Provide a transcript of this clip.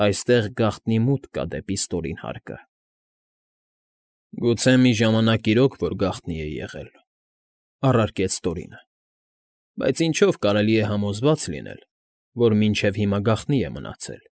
Այստեղ գաղտնի մուտք կա դեպի Ստորին Հարկը։ ֊ Գուցե մի ժամանակ իրոք որ գաղտնի է եղել,֊ առարկեց Տորինը,֊ բայց ինչով կարելի է համոզված լինել, որ մինչև հիմա գաղտնի է մնացել։